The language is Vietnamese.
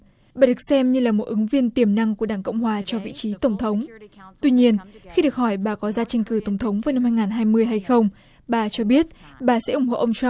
bà được xem như là một ứng viên tiềm năng của đảng cộng hòa cho vị trí tổng thống tuy nhiên khi được hỏi bà có ra tranh cử tổng thống với năm hai ngàn hai mươi hay không bà cho biết bà sẽ ủng hộ ông trăm